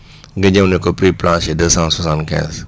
nga ñëw ne ko prix planché deux cent soixante quinze